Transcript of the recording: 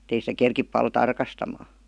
että ei sitä kerkiä paljon tarkastamaan